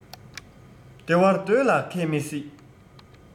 བདེ བར སྡོད ལ མཁས མི སྲིད